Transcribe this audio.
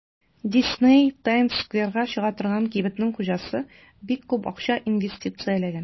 Дисней (Таймс-скверга чыга торган кибетнең хуҗасы) бик күп акча инвестицияләгән.